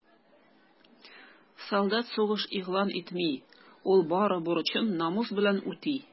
Солдат сугыш игълан итми, ул бары бурычын намус белән үти.